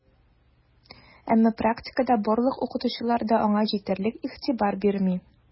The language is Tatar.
Әмма практикада барлык укытучылар да аңа җитәрлек игътибар бирми: